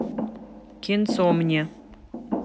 кинцо мне